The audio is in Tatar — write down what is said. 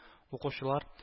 Укучылар